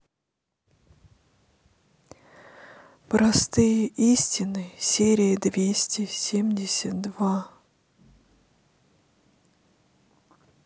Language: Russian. простые истины серия двести семьдесят два